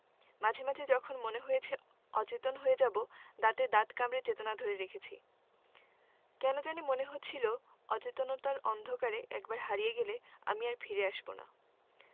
মাঝে মাঝে যখন মনে হয়েছে অচেতন হয়ে যাবো দাঁতে দাঁত কামড়ে চেতনা ধরে রেখেছি কেন জানি মনে হচ্ছিলো অচেতনতার অন্ধকারে একবার হারিয়ে গেলে আর ফিরে আসবো না